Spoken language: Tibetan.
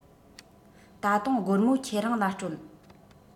ད དུང སྒོར མོ ཁྱེད རང ལ སྤྲོད